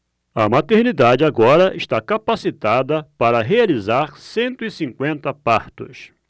a maternidade agora está capacitada para realizar cento e cinquenta partos